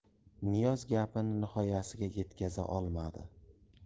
niyoz gapini nihoyasiga yetkaza olmadi